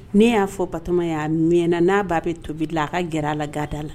Ne' y'a fɔ Batoma ɲɛna a mɛna, n'a ba bɛ tobi la, a ka gɛrɛa la gada la.